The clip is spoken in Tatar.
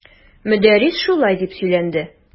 Мөдәррис шулай дип сөйләнде.